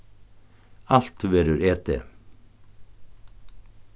alt verður etið